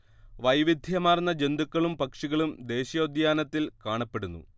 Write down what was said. വൈവിധ്യമാർന്ന ജന്തുക്കളും പക്ഷികളും ദേശീയോദ്യാനത്തിൽ കാണപ്പെടുന്നു